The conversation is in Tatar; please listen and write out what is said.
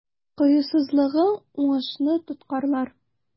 Кыюсызлыгың уңышны тоткарлар.